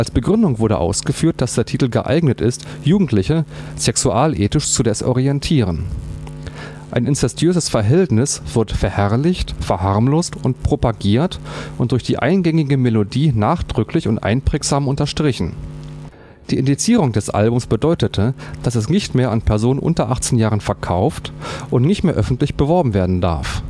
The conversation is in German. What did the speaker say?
Begründung wurde ausgeführt, dass der Titel „ geeignet ist, Jugendliche sexualethisch zu desorientieren “. Ein inzestuöses Verhältnis wird „ verherrlicht, verharmlost und propagiert und durch die eingängige Melodie nachdrücklich und einprägsam unterstrichen “. Die Indizierung des Albums bedeutete, dass es nicht mehr an Personen unter 18 Jahren verkauft und nicht mehr öffentlich beworben werden darf